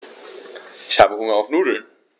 Ich habe Hunger auf Nudeln.